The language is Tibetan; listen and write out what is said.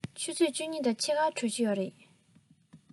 ཆུ ཚོད བཅུ གཉིས དང ཕྱེད ཀར གྲོལ གྱི རེད